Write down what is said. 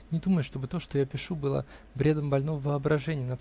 Не думай, чтобы то, что я пишу, было бредом больного воображения